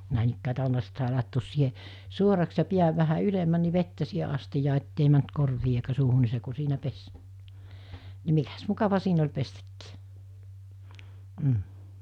näin tällä lailla niin sitten sai laittaa siihen suoraksi ja pään vähän ylemmäksi niin vettä siihen astiaan että ei mennyt korviin eikä suuhun niin se kun siinä pesi niin mikäs mukava siinä oli pestäkin mm